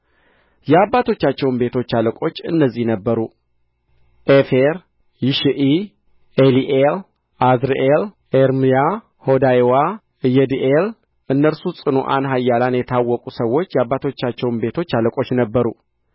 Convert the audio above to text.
የአባቶቻቸውም ቤቶች አለቆች እነዚህ ነበሩ ዔፌር ይሽዒ ኤሊኤል ዓዝርኤል ኤርምያ ሆዳይዋ ኢየድኤል እነርሱ ጽኑዓን ኃያላን የታወቁ ሰዎች የአባቶቻቸውም ቤቶች አለቆች ነበሩ